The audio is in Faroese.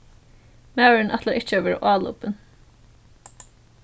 maðurin ætlar ikki at verða álopin